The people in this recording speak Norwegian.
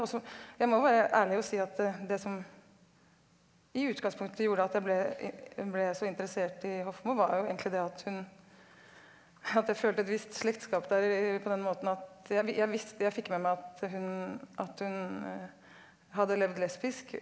også jeg må jo være ærlig og si at det som i utgangspunktet gjorde at jeg ble ble så interessert i Hofmo var jo egentlig det at hun at jeg følte et visst slektskap der på den måten at jeg jeg viste jeg fikk med meg at hun at hun hadde levd lesbisk.